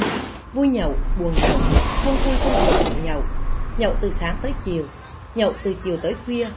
vui nhậu buồng nhậu không vui không buồng cũng nhậu nhậu từ sáng tới chiều nhậu từ chiều tới khuya